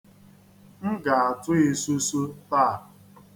M ga-atụ isusu taa.